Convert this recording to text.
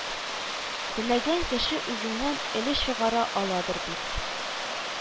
Теләгән кеше үзеннән өлеш чыгара аладыр бит